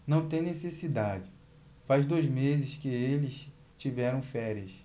não tem necessidade faz dois meses que eles tiveram férias